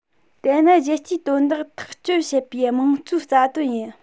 དེ ནི རྒྱལ སྤྱིའི དོན དག ཐག གཅོད བྱེད པའི དམངས གཙོའི རྩ དོན ཡིན